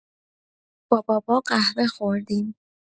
با بابا قهوه خوردیم.